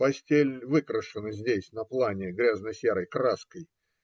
Постель выкрашена здесь на плане грязно-серой краской.